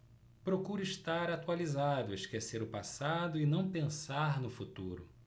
procuro estar atualizado esquecer o passado e não pensar no futuro